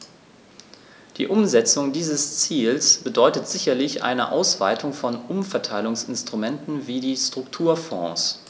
Die Umsetzung dieses Ziels bedeutet sicherlich eine Ausweitung von Umverteilungsinstrumenten wie die Strukturfonds.